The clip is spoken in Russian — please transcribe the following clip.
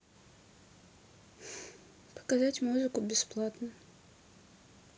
показать музыку бесплатно